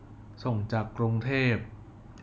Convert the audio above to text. ส่งจากกรุงเทพ